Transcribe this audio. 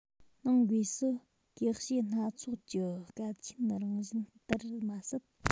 ནང སྒོས སུ གེགས བྱེད སྣ ཚོགས ཀྱི གལ ཆེན རང བཞིན ལྟར མ ཟད